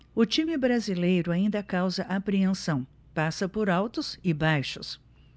o time brasileiro ainda causa apreensão passa por altos e baixos